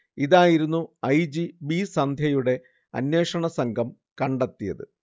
ഇതായിരുന്നു I. G. B സന്ധ്യയുടെ അന്വേഷണസംഘം കണ്ടത്തിയത്